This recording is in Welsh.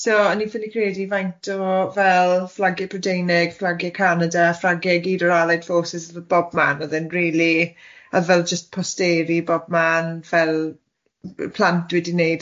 ...so o'n i'n ffili credu faint o fel fflagiau Prydeinig, fflagiau Canada, fflagiau gyd o'r Allied Forces fel bobman oedd e'n rili, odd fel jyst posteri bobman fel yy plant wedi neud,